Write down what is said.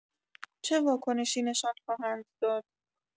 چه واکنشی نشان خواهند داد؟